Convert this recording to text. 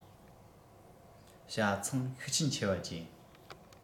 བྱ ཚང ཤུགས རྐྱེན ཆེ བ བཅས ཡིན